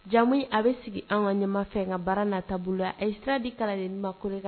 Jamu a bɛ sigi an ka ɲɛma fɛ ka baara nata bolo a ye sira di kala de ma ko kan